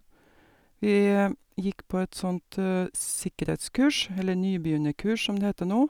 Vi gikk på et sånt sikkerhetskurs, eller nybegynnerkurs som det heter nå.